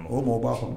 O maaw b'a kɔnɔ.